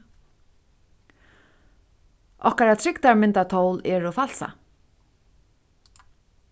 okkara trygdarmyndatól eru falsað